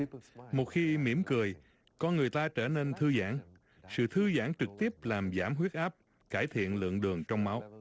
một khi mỉm cười con người ta trở nên thư giãn sự thư giãn trực tiếp làm giảm huyết áp cải thiện lượng đường trong máu